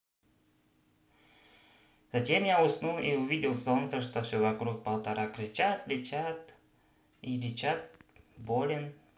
затем я уснул и увидел солнце что все вокруг полтора кричат и лечат болен